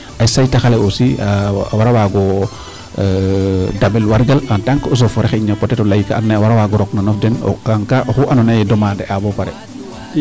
A seytax ale aussi a war a waag o damel wargal tant que eaux et foret xayna peut etre o lay ka andoona yee a war a waag o rok no nof den en cas oxu andoona yee demande a bo pare .